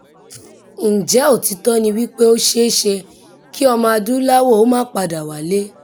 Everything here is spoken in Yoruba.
Ǹjẹ́ òtítọ́ ni wípé ó ṣeéṣe kí Ọmọ-adúláwọ̀ ó máà padà wálé?